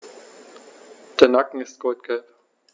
Der Nacken ist goldgelb.